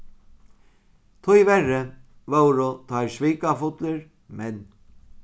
tíverri vóru teir svikafullir menn